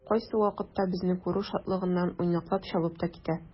Кайсы вакытта безне күрү шатлыгыннан уйнаклап чабып та китә.